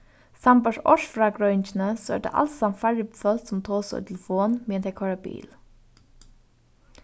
sambært ársfrágreiðingini so eru tað alsamt færri fólk sum tosa í telefon meðan tey koyra bil